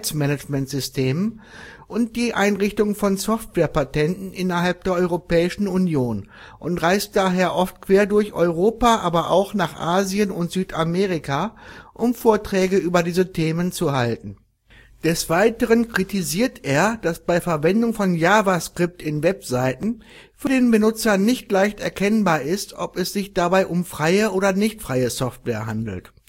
Digital-Rights-Management-Systemen und die Einrichtung von Softwarepatenten innerhalb der Europäischen Union und reist daher oft quer durch Europa, aber auch nach Asien und Südamerika, um Vorträge über diese Themen zu halten. Des Weiteren kritisiert er, dass bei Verwendung von JavaScript in Webseiten für den Benutzer nicht leicht erkennbar ist, ob es sich dabei um freie oder nicht-freie Software handelt